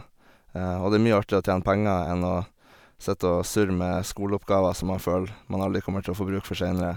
Og det er mye artigere å tjene penger enn å sitte og surre med skoleoppgaver som man føler man aldri kommer til å få bruk for seinere.